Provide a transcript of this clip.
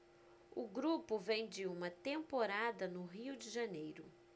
o grupo vem de uma temporada no rio de janeiro